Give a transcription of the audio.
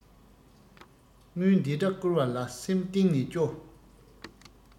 དངུལ འདི འདྲ བསྐུར བ ལ སེམས གཏིང ནས སྐྱོ